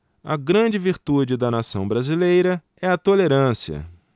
a grande virtude da nação brasileira é a tolerância